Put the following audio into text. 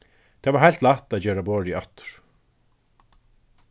tað var heilt lætt at gera borðið aftur